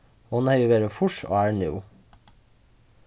hon hevði verið fýrs ár nú